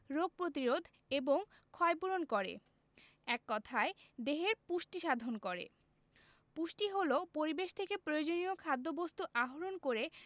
রোগ প্রতিরোধ এবং ক্ষয়পূরণ করে এক কথায় দেহের পুষ্টি সাধন করে পুষ্টি হলো পরিবেশ থেকে প্রয়োজনীয় খাদ্যবস্তু আহরণ করে